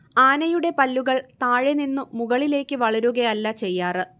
ആനയുടെ പല്ലുകൾ താഴെനിന്നു മുകളിലേക്ക് വളരുകയല്ല ചെയ്യാറ്